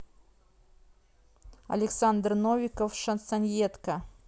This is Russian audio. александр новиков шансоньетка